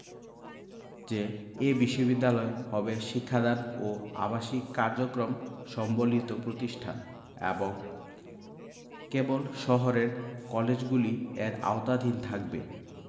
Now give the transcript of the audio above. যে এ বিশ্ববিদ্যালয় হবে শিক্ষাদান ও আবাসিক কার্যক্রম সম্বলিত প্রতিষ্ঠান এবং কেবল শহরের কলেজগুলি এর আওতাধীন থাকবে